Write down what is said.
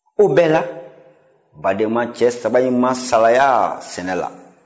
o bɛɛ la badenma cɛ saba in ma salaya sɛnɛ la